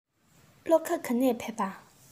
ལྷོ ཁ ག ནས ཕེབས པ